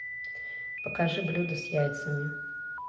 покажи блюдо с яйцами